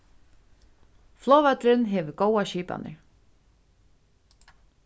flogvøllurin hevur góðar skipanir